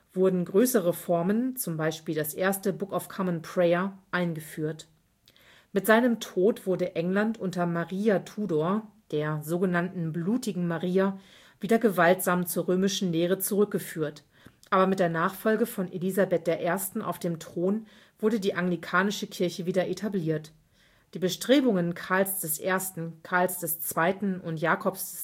wurden größere Reformen (z. B. das erste Book of Common Prayer) eingeführt. Mit seinem Tod wurde England unter Maria Tudor, der „ blutigen Maria “, wieder gewaltsam zur römischen Lehre zurückgeführt, aber mit der Nachfolge von Elisabeth I. auf dem Thron wurde die anglikanische Kirche wieder etabliert. Die Bestrebungen Karls I., Karls II. und Jakobs